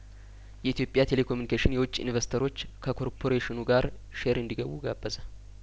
የኢትዮጵያ ቴሌኮሚኒኬሽን የውጭ ኢንቨስተሮች ከኮርፖሬሽኑ ጋር ሼር እንዲ ገቡ ጋበዘ